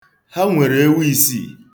Ha nwere ewu isii.